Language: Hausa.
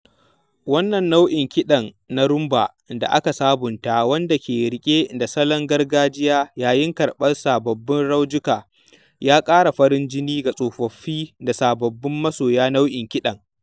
Wannan nau’in kiɗan na Rhumba da aka sabunta, wanda ke riƙe da salon gargajiya yayin karɓar sababbin raujuka, ya ƙara farin jini ga tsofaffi da sababbin masoya nau’in kiɗan.